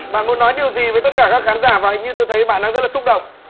bạn muốn nói điều gì với tất cả các khán giả và hình như tôi thấy bạn đang rất là xúc động